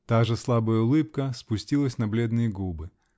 та же слабая улыбка спустилась на бледные губы.